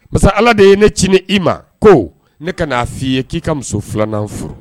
Masa ala de ye ne ci i ma ko ne ka na fi ye ki ka muso 2 an furu.